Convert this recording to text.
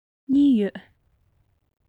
གཉིས ཡོད